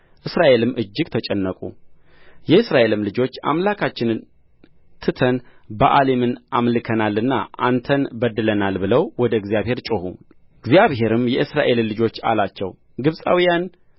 እስራኤልም እጅግ ተጨነቁ የእስራኤልም ልጆች አምላካችንን ትተን በኣሊምን አምልከናልና አንተን በድለናል ብለው ወደ እግዚአብሔር ጮኹ እግዚአብሔርም የእስራኤልን ልጆች አላቸው ግብፃውያን